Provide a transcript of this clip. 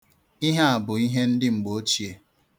Ihe a bụ ihe ndị mgbeochie.